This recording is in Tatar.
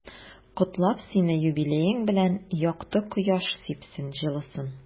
Котлап сине юбилеең белән, якты кояш сипсен җылысын.